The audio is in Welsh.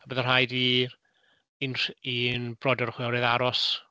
A byddai'n rhaid i unrh- i'n brodyr a chwiorydd aros...